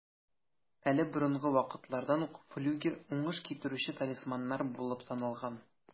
Әле борынгы вакытлардан ук флюгер уңыш китерүче талисманнар булып саналган.